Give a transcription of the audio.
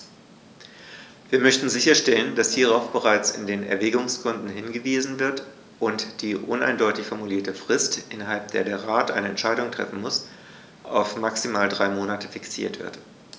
Wir möchten sicherstellen, dass hierauf bereits in den Erwägungsgründen hingewiesen wird und die uneindeutig formulierte Frist, innerhalb der der Rat eine Entscheidung treffen muss, auf maximal drei Monate fixiert wird.